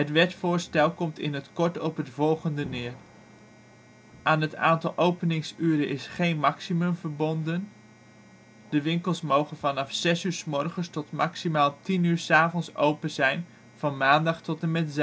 wetsvoorstel komt in het kort op het volgende neer: aan het aantal openingsuren is geen maximum verbonden de winkels mogen vanaf 6.00 uur tot maximaal 22.00 open zijn (maandag tot en met zaterdag